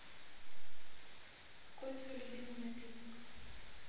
какой твой любимый напиток